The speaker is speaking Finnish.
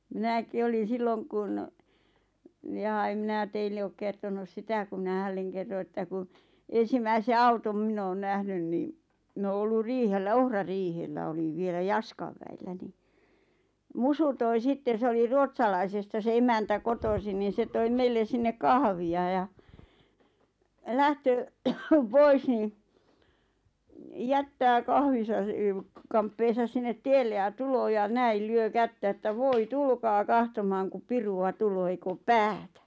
minäkin olin silloin kun jaa en minä teille ole kertonut sitä kun minä hänelle kerroin että kun ensimmäisen auton minä olen nähnyt niin minä olen ollut riihellä ohrariihellä olin vielä Jaskan väillä niin Musu toi sitten se oli Ruotsalaisesta se emäntä kotoisin niin se toi meille sinne kahvia ja ja lähtee pois niin jättää kahvinsa -- kamppeensa sinne tielle ja tulee ja näille lyö kättä että voi tulkaa katsomaan kun pirua tulee ei ole päätä